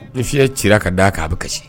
I fiɲɛ ci ka d daa k'a bɛ kasi